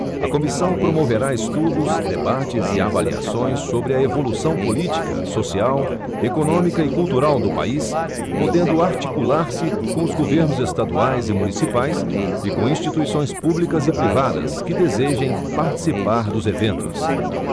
a comissão promoverá estudos debates e avaliações sobre a evolução política social econômica e cultural do país podendo articular se com os governos estaduais e municipais e com instituições públicas e privadas que desejem participar dos eventos